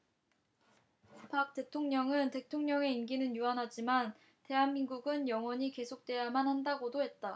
박 대통령은 대통령의 임기는 유한하지만 대한민국은 영원히 계속돼야만 한다고도 했다